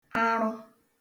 arụ